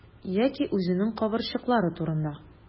Яки үзенең кабырчрыклары турында.